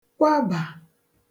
kwabà